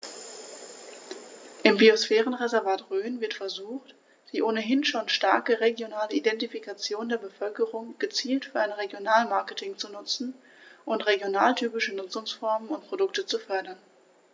Im Biosphärenreservat Rhön wird versucht, die ohnehin schon starke regionale Identifikation der Bevölkerung gezielt für ein Regionalmarketing zu nutzen und regionaltypische Nutzungsformen und Produkte zu fördern.